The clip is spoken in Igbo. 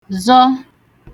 zọ